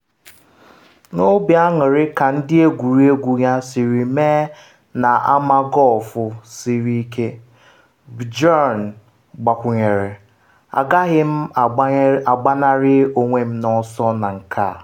N’obi anụrị ka ndị egwuregwu ya siri mee na ama gọlfụ siri ike, Bjorn gbakwunyere: “Agaghị m agbanarị onwe m n’ọsọ na nke a.